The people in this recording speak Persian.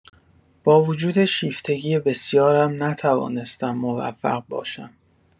با وجود شیفتگی بسیارم، نتوانستم موفق باشم.